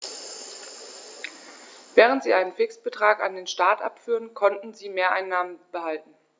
Während sie einen Fixbetrag an den Staat abführten, konnten sie Mehreinnahmen behalten.